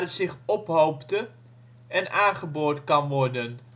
zich ophoopte en aangeboord kan worden